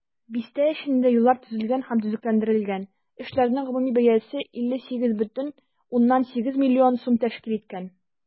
Бистә эчендә юллар төзелгән һәм төзекләндерелгән, эшләрнең гомуми бәясе 58,8 миллион сум тәшкил иткән.